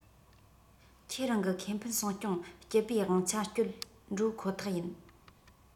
ཁྱེད རང གི ཁེ ཕན སྲུང སྐྱོང སྤྱི པའི དབང ཆ སྤྱོད འགྲོ ཁོ ཐག ཡིན